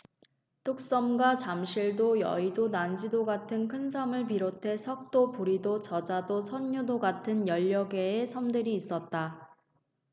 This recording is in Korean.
뚝섬과 잠실도 여의도 난지도 같은 큰 섬을 비롯해 석도 부리도 저자도 선유도 같은 열 여개의 섬들이 있었다